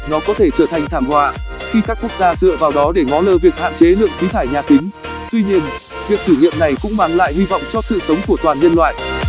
nó có thể trở thành thảm họa khi các quốc gia dựa vào đó để ngó lơ việc hạn chế lượng khí thải nhà kính tuy nhiên việc thử nghiệm này cũng mang lại hi vọng cho sự sống của toàn nhân loại